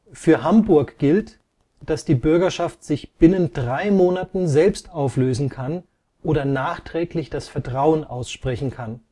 Für Hamburg gilt, dass die Bürgerschaft sich binnen drei Monaten selbst auflösen kann oder nachträglich das Vertrauen aussprechen kann